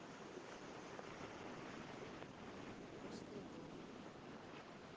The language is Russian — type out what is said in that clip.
русская доля